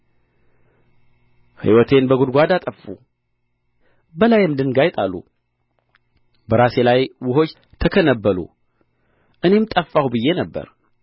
ሕይወቴን በጕድጓድ አጠፉ በላዬም ድንጋይ ጣሉ በራሴ ላይ ውኆች ተከነበሉ እኔም ጠፋሁ ብዬ ነበር